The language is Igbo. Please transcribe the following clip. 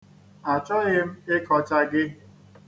Achọghị m ịkọcha gị.